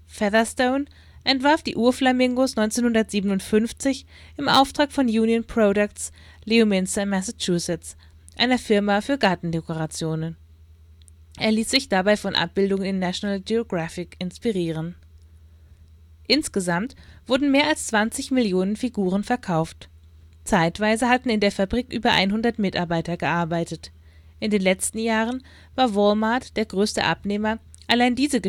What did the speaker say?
Featherstone entwarf die Ur-Flamingos 1957 im Auftrag von Union Products (Leominster, Massachusetts), einer Firma für Gartendekorationen. Er ließ sich von Abbildungen in National Geographic inspirieren. Insgesamt wurden mehr als 20 Millionen Figuren verkauft. Zeitweise hatten in der Fabrik über 100 Mitarbeiter gearbeitet. In den letzten Jahren war Wal-Mart der größte Abnehmer, allein diese